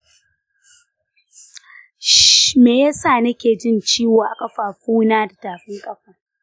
me yasa nake jin ciwo a ƙafafuna da tafin ƙafa?